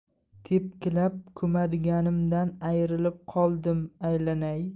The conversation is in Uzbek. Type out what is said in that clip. tepkilab ko'madiganimdan ayrilib qoldim aylanay